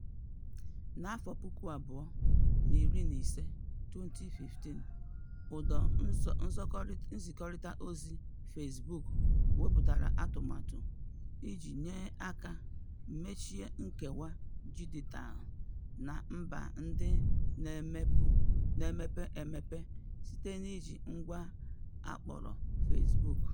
N'afọ puku abụọ na iri na ise (2015), ụdọ nzikọrịtaozi Fezbuk wepụtara atụmatụ iji nye aka mechie nkewa dijitalụ na mba ndị na-emepe emepe site n'iji ngwa akpọrọ "Free Basics".